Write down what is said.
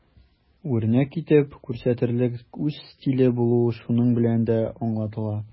Үрнәк итеп күрсәтерлек үз стиле булу шуның белән дә аңлатыла.